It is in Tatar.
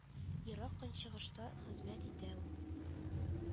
Ерак Көнчыгышта хезмәт итә ул